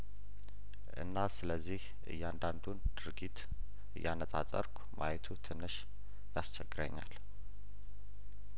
እና ስለዚህ እያንዳንዱን ድርጊት እያነጻጸርኩ ማየቱ ትንሽ ያስቸግረኛል